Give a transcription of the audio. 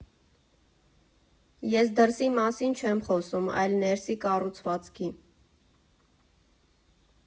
Ես դրսի մասին չեմ խոսում, այլ ներսի կառուցվածքի։